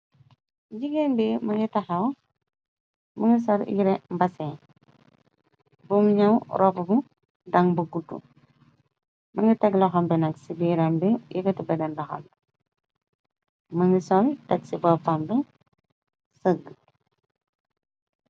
Jigéen bi mnga taxaw mëng sol yire mbasen bum gñaw roppb dang bu gutu mënga teg loxambe nag ci biirambi yexetu beneen loxam mëngi sol teg ci boppamb sëgg.